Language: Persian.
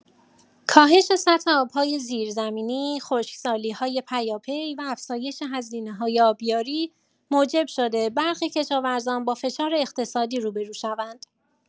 کاهش سطح آب‌های زیرزمینی، خشکسالی‌های پیاپی و افزایش هزینه‌های آبیاری موجب شده برخی کشاورزان با فشار اقتصادی روبه‌رو شوند.